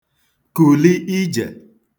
kùli ijè